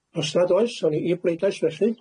Os nad oes, awn ni i'r bleidlais felly.